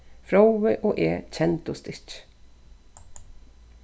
fróði og eg kendust ikki